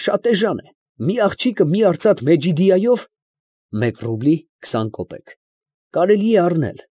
Շատ էժան է, մի աղջիկը մի արծաթ մեջիդիայով ( մեկ ռուբլի քսան կոպեկ) կարելի է առնել։